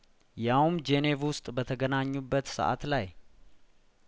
ያውም ጄኔቭ ውስጥ በተገናኙበት ሰአት ላይ